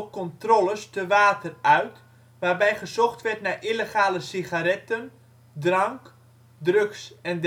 controles (te water) uit, waarbij gezocht werd naar illegale sigaretten, drank (later ook drugs) e.d..